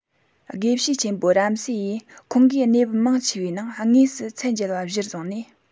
དགེ བཤེས ཆེན པོ རམ སེ ཡིས ཁོང གིས གནས བབ མང ཆེ བའི ནང དངོས སུ ཚད མཇལ བ གཞིར བཟུང ནས